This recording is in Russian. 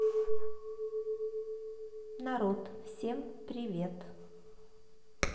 народ всем привет